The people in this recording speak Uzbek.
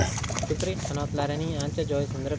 ko'prik qanotlarining ancha joyi sindirib